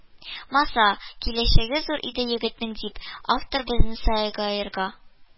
Маса, киләчәге зур иде егетнең дип, автор безне сагаерга